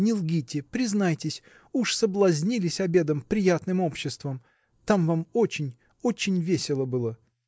Не лгите, признайтесь, уж соблазнились обедом, приятным обществом? там вам очень, очень весело было.